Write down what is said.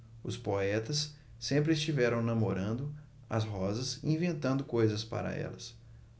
os poetas sempre estiveram namorando as rosas e inventando coisas para elas